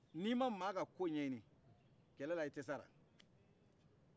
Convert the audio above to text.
ni ma mɔgɔ ka ko ɲejini kɛlɛla i tɛ s'ala